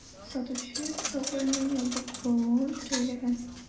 Сатучы цокольның ябык булуын сөйләгән.